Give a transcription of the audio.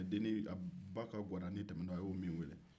denin a ba ka gwaladen temɛna a y'o min weele